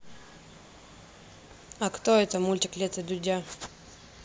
а кто это мультик лета дудя